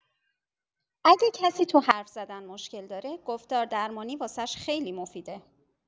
اگه کسی تو حرف‌زدن مشکل داره، گفتاردرمانی واسش خیلی مفیده.